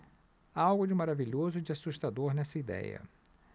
há algo de maravilhoso e de assustador nessa idéia